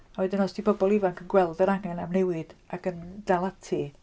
A wedyn os ydy pobl ifanc yn gweld yr angen am newid ac yn dal ati...